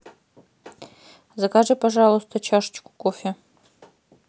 закажи пожалуйста чашечку кофе